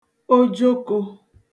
ojoko